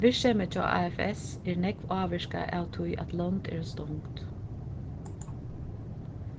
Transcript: virksemið hjá afs er nógv ávirkað av tí at lond eru stongd